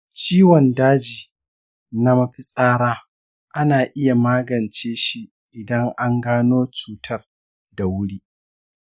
ciwon daji na mafitsara ana iya magance shi idan an gano cutar da wuri.